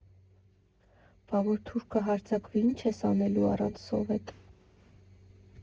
«Բա որ թուրքը հարձակվի՞, ի՜նչ ես անելու առանց Սովետ»։